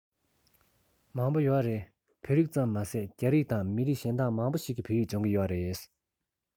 མང པོ ཡོད རེད བོད རིགས ཙམ མ ཟད རྒྱ རིགས དང མི རིགས གཞན དག མང པོ ཞིག གིས བོད ཡིག སྦྱོང གི ཡོད རེད